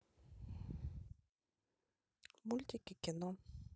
мультики кино